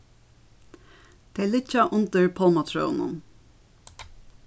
tey liggja undir pálmatrøunum